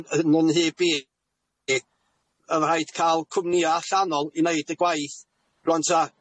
yn 'y nhyb i bydd yn rhaid ca'l cwmnïa' allanol i neud y gwaith. Rŵan 'ta